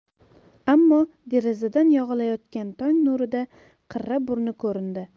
ammo derazadan yog'ilayotgan tong nurida qirra burni ko'rindi